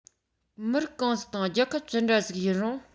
མི རིགས གང ཞིག དང རྒྱལ ཁབ ཅི འདྲ ཞིག ཡིན རུང